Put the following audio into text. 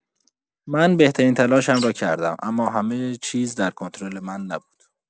من بهترین تلاشم را کردم، اما همه‌چیز در کنترل من نبود.